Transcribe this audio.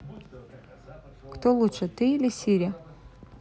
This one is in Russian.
кто лучше ты или сири